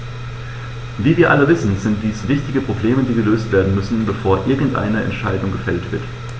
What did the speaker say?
Wie wir alle wissen, sind dies wichtige Probleme, die gelöst werden müssen, bevor irgendeine Entscheidung gefällt wird.